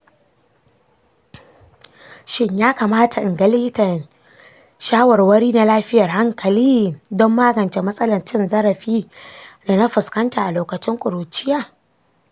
shin ya kamata in ga likitan shawarwari na lafiyar hankali don magance matsalar cin zarafi da na fuskanta a lokacin ƙuruciya?